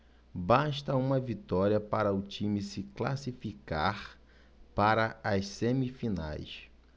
basta uma vitória para o time se classificar para as semifinais